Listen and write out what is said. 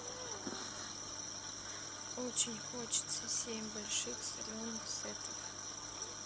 очень хочется семь больших соленых сетов